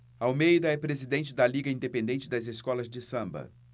almeida é presidente da liga independente das escolas de samba